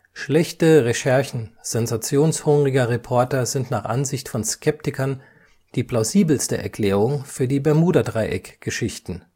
Schlechte Recherchen sensationshungriger Reporter sind nach Ansicht von Skeptikern die plausibelste Erklärung für die Bermudadreieck-Geschichten